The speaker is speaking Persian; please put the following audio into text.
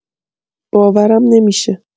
باورم نمی‌شه!